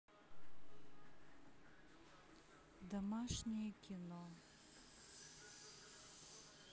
домашнее кино